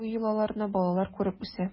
Бу йолаларны балалар күреп үсә.